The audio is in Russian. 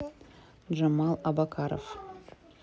джамал абакаров